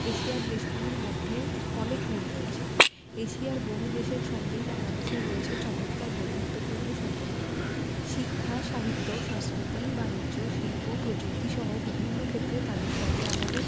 এশিয়ার দেশগুলোর মধ্যে অনেক মিল রয়েছেএশিয়ার বহুদেশের সঙ্গেই বাংলাদেশের রয়েছে চমৎকার বন্ধুত্বপূর্ণ সম্পর্ক শিক্ষা সাহিত্য সংস্কৃতি বানিজ্য শিল্প প্রযুক্তিসহ বিভিন্ন ক্ষেত্রে তাদের সঙ্গে আমাদের